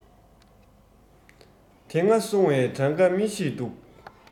དེ སྔ སོང བའི གྲངས ཀ མི ཤེས འདུག